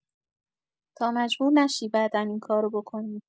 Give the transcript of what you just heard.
تا مجبور نشی بعدا این کار رو بکنی!